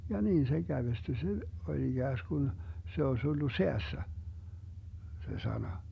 ja niin se kävestyi se oli ikään kuin se olisi ollut säässä se sana